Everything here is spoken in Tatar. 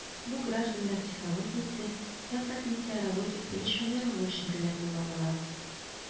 Бу гражданнар технологиясе фәкать метеорологик белешмәләр алу өчен генә кулланыла...